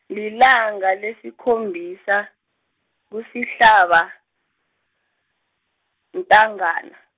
lilanga lesikhombisa, kusihlaba, intangana.